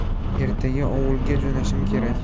ertaga ovulga jo'nashim kerak